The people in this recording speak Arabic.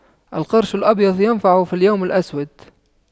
القرش الأبيض ينفع في اليوم الأسود